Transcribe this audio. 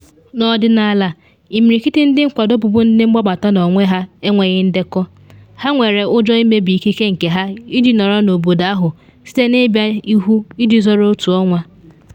N’ọdịnala, imirikiti ndị nkwado bubu ndị mgbabata n’onwe ha enweghị ndekọ, ha nwere ụjọ imebi ikike nke ha iji nọrọ n’obodo ahụ site na ịbịa ihu iji zọrọ otu nwa.